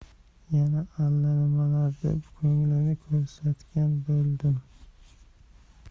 yana allanimalar deb ko'nglini ko'targan bo'ldim